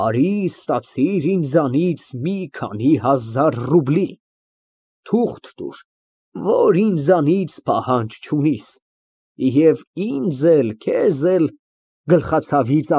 Արի ստացիր ինձնից մի քանի հազար ռուբլի, թուղթ տուր, որ ինձանից պահանջ չունիս և ինձ էլ ազատիր գլխացավից։